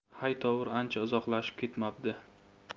haytovur ancha uzoqlashib ketmabdi